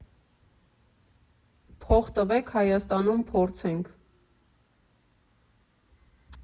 Փող տվեք՝ Հայաստանում փորձենք։